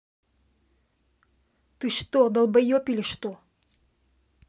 ты что долбоеб или что